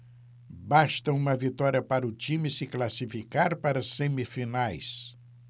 basta uma vitória para o time se classificar para as semifinais